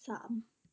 สาม